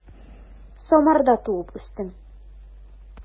Самарда туып үстем.